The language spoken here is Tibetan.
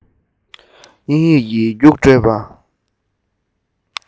དབྱིན ཡིག གི རྒྱུགས སྤྲོད པ